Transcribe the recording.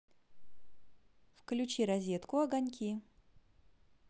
включи розетку огоньки